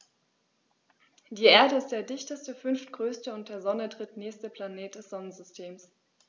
Die Erde ist der dichteste, fünftgrößte und der Sonne drittnächste Planet des Sonnensystems.